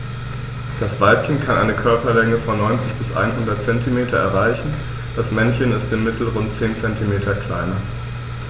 Das Weibchen kann eine Körperlänge von 90-100 cm erreichen; das Männchen ist im Mittel rund 10 cm kleiner.